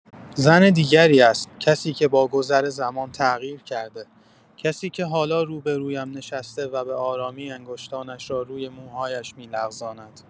زن دیگری است، کسی که با گذر زمان تغییر کرده، کسی که حالا روبه‌رویم نشسته و به‌آرامی انگشتانش را روی موهایش می‌لغزاند.